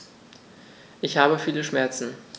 Ich habe viele Schmerzen.